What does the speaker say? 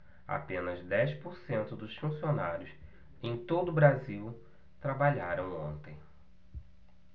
apenas dez por cento dos funcionários em todo brasil trabalharam ontem